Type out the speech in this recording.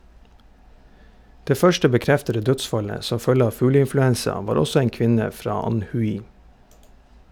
Det første bekreftede dødsfallet som følge av fugleinfluensa var også en kvinne fra Anhui.